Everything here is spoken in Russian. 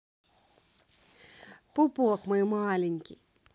пупок мой маленький